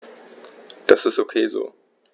Das ist ok so.